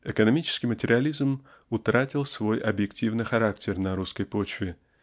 Экономический материализм утратил свой объективный характер на русской почве